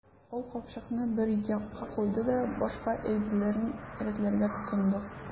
Ул капчыкны бер якка куйды да башка әйберләрен рәтләргә тотынды.